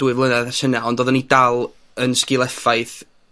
dwy flynedd ond oddwn ni dal yn sgil-effaith